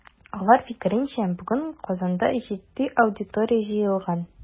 Алар фикеренчә, бүген Казанда җитди аудитория җыелган.